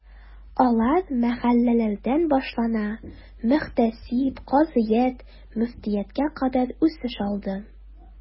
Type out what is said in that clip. Алар мәхәлләләрдән башлана, мөхтәсиб, казыят, мөфтияткә кадәр үсеш алды.